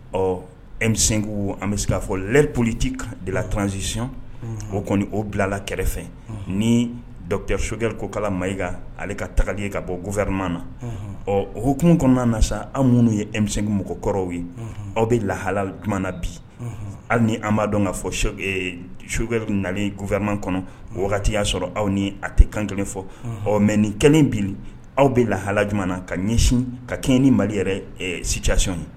Ɔ emi an bɛ se k'a fɔ lɛpoliliti delatransisi o kɔni o bilala kɛrɛfɛ ni dɔ kɛ sokɛkari ko kala mayika ale ka tagaki ka bɔ guɛrman na ɔ hkumu kɔnɔna na sa anw minnu ye emi mɔgɔ kɔrɔw ye aw bɛ lahala jumɛn bi hali ni an b' dɔn ka fɔ suri nali guɛrman kɔnɔ wagati y'a sɔrɔ aw ni a tɛ kan fɔ ɔ mɛ nin kɛlen bi aw bɛ lahala jumɛn ka ɲɛsin ka kɛɲɛn ni mali yɛrɛ sicc ye